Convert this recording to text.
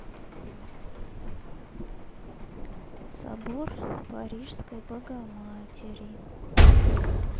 собор парижской богоматери